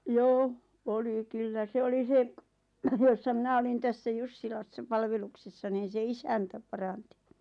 joo oli kyllä se oli se jossa minä olin tässä Jussilassa palveluksessa niin se isäntä paransi